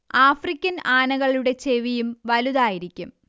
African ആനകളുടെ ചെവിയും വലുതായിരിക്കും